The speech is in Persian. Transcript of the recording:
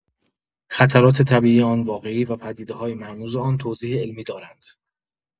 خطرات طبیعی آن واقعی و پدیده‌های مرموز آن توضیح علمی دارند.